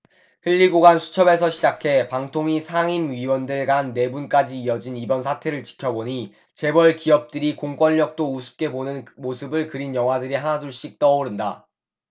흘리고간 수첩에서 시작해 방통위 상임위원들 간 내분까지 이어진 이번 사태를 지켜보니 재벌 기업들이 공권력도 우습게 보는 모습을 그린 영화들이 하나둘씩 떠오른다